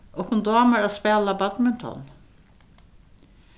okkum dámar at spæla badminton